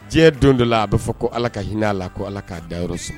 Diɲɛ don dɔ la a b'a fɔ ko Ala ka hinɛ a la ko Ala k'a dayɔrɔ suma